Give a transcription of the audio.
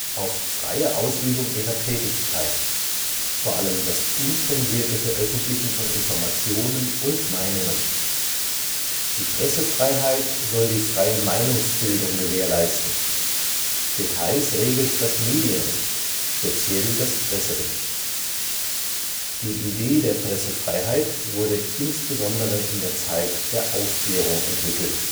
auf freie Ausübung ihrer Tätigkeit, vor allem das unzensierte Veröffentlichen von Informationen und Meinungen. Die Pressefreiheit soll die freie Meinungsbildung gewährleisten. Details regelt das Medienrecht, speziell das Presserecht. Die Idee der Pressefreiheit wurde insbesondere in der Zeit der Aufklärung entwickelt